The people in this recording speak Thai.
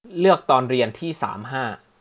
เลือกตอนเรียนที่สามห้า